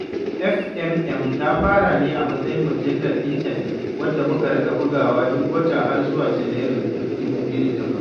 FMM ta fara ne a matsayin mujallar intanet, wadda muka riƙa bugawa duk wata har zuwa Junairun 2008.